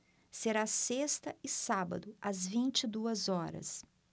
será sexta e sábado às vinte e duas horas